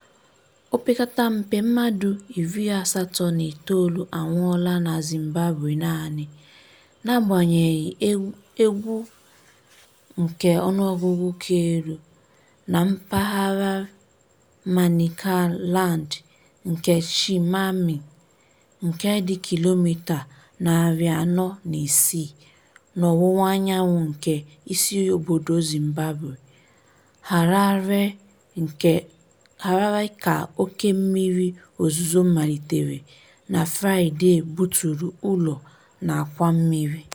Opekata mpe mmadụ 89 anwụọla na Zimbabwe naanị, n'agbanyeghị egwu nke ọnụọgụgụ ka elu, na mpaghara Manicaland nke Chimanimani, nke dị kilomita 406 n'ọwụwaanyanwụ nke isiobodo Zimbabwe, Harare, ka oké mmiri ozuzo malitere na Fraịdee buturu ụlọ na àkwàmmiri.